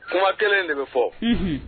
Kuma 1 in de be fɔ unhun